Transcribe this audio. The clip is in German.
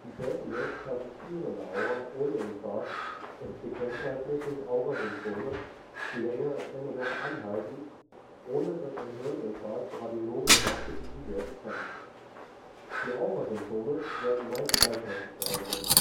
seltene persistierende Aura ohne Infarkt ist gekennzeichnet durch Aurasymptome, die länger als eine Woche anhalten, ohne dass ein Hirninfarkt radiologisch nachgewiesen werden kann. Die Aurasymptome werden meist beidseitig wahrgenommen